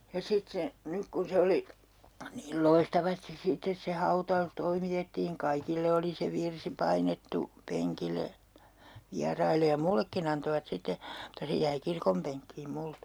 ja sitten se nyt kun se oli niin loistavasti sitten se hautaus toimitettiin kaikille oli se virsi painettu penkille vieraille ja minullekin antoivat sitten mutta se jäi kirkonpenkkiin minulta